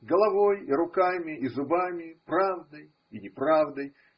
головой и руками и зубами, правдой и неправдой.